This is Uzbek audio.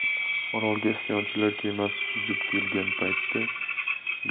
orolga isyonchilar kemasi suzib kelgan paytda